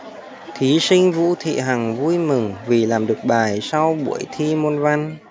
thí sinh vũ thị hằng vui mừng vì làm được bài sau buổi thi môn văn